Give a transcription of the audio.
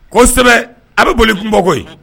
Kosɛbɛ a bɛ boli kungo bɔko